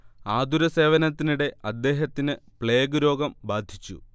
ആതുരസേവനത്തിനിടെ അദ്ദേഹത്തിന് പ്ലേഗ് രോഗം ബാധിച്ചു